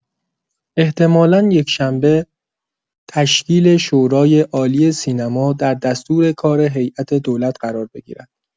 احتمالا یکشنبه تشکیل شورای‌عالی سینما در دستورکار هیئت‌دولت قرار بگیرد.